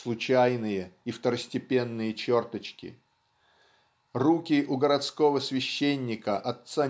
случайные и второстепенные черточки (руки у городского священника о.